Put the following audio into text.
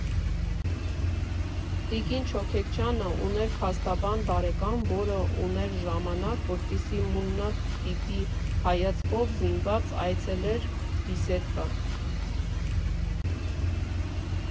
Տիկին Չոքեքչյանը ուներ փաստաբան բարեկամ, որը ուներ ժամանակ, որպեսզի մուննաթ տիպի հայացքով զինված այցելեր «Բիսեդկա»։